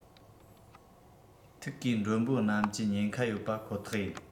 ཐིག གིས མགྲོན པོ རྣམས ཀྱི ཉེན ཁ ཡོད པ ཁོ ཐག ཡིན